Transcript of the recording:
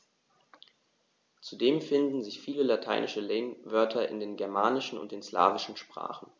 Zudem finden sich viele lateinische Lehnwörter in den germanischen und den slawischen Sprachen.